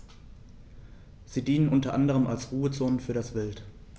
Sie dienen unter anderem als Ruhezonen für das Wild.